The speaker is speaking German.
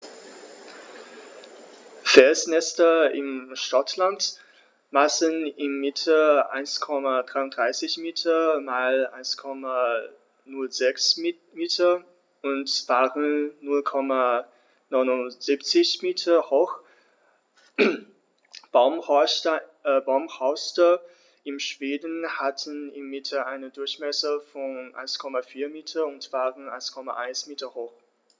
Felsnester in Schottland maßen im Mittel 1,33 m x 1,06 m und waren 0,79 m hoch, Baumhorste in Schweden hatten im Mittel einen Durchmesser von 1,4 m und waren 1,1 m hoch.